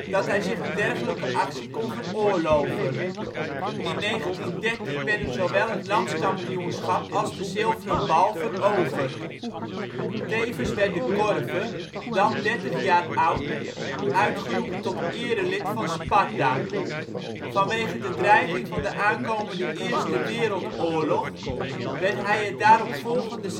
dat hij zich een dergelijke actie kon veroorloven. In 1913 werden zowel het landskampioenschap als de Zilveren Bal veroverd. Tevens werd De Korver, dan 30 jaar oud, uitgeroepen tot erelid van Sparta. Vanwege de dreiging van de aankomende Eerste Wereldoorlog werd hij het daaropvolgende